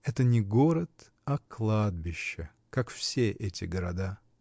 Это не город, а кладбище, как все эти города.